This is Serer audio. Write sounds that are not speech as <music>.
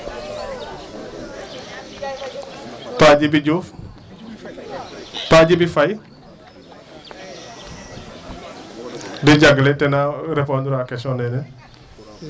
<crosstalk> Pa Djibi Diouf Pa Djibi Faye DJijak ten naa repondre tra question neene. <crosstalk>